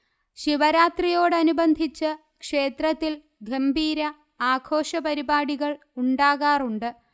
ശിവരാത്രിയോടനുബന്ധിച്ച് ക്ഷേത്രത്തിൽ ഗംഭീര ആഘോഷപരിപാടികൾ ഉണ്ടാകാറുണ്ട്